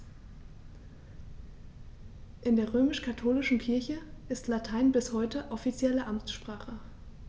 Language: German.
In der römisch-katholischen Kirche ist Latein bis heute offizielle Amtssprache.